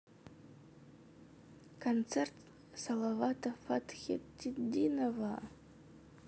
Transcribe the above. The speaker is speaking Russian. концерт салавата фатхетдинова